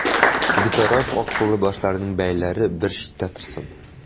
Битараф акыллы башларның бәяләре бер читтә торсын.